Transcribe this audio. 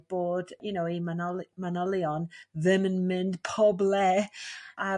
bod you know eu man- manylion ddim yn mynd pob le ar